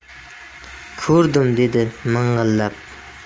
ko'rdim dedi ming'illab